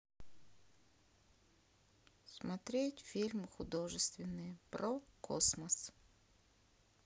смотреть фильмы художественные про космос